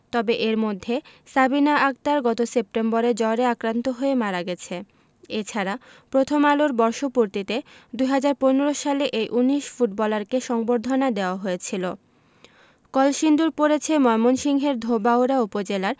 তবে এর মধ্যে সাবিনা আক্তার গত সেপ্টেম্বরে জ্বরে আক্রান্ত হয়ে মারা গেছে এ ছাড়া প্রথম আলোর বর্ষপূর্তিতে ২০১৫ সালে এই ১৯ ফুটবলারকে সংবর্ধনা দেওয়া হয়েছিল কলসিন্দুর পড়েছে ময়মনসিংহের ধোবাউড়া উপজেলার